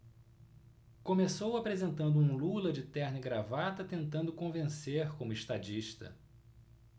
começou apresentando um lula de terno e gravata tentando convencer como estadista